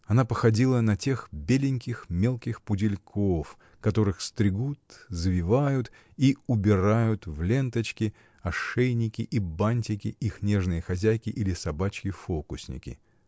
Она походила на тех беленьких, мелких пудельков, которых стригут, завивают и убирают в ленточки, ошейники и бантики их нежные хозяйки или собачьи фокусники.